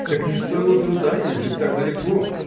так не стоило труда ездить так далеко